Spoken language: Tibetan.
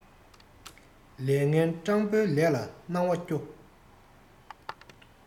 ལས ངན སྤྲང པོའི ལས ལ སྣང བ སྐྱོ